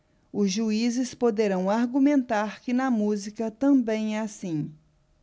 os juízes poderão argumentar que na música também é assim